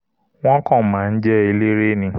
Wọ́n kàn máa ń jẹ́ eléré ni.